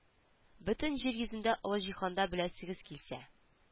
Бөтен җир йөзендә олы җиһанда беләсегез килсә